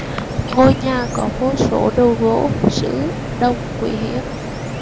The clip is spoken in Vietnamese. ngôi nhà có vô số đồ gỗ sứ đồng quý hiếm